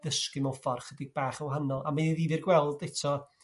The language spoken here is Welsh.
dgysgu mo ffor' 'chydig bach yn wahanol, a o'n ddifyr gweld eto